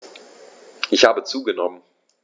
Ich habe zugenommen.